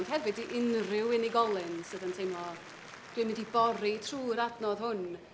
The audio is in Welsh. Ond hefyd i unrhyw unigolyn sydd yn teimlo, dwi'n mynd i boru trwy'r adnodd hwn.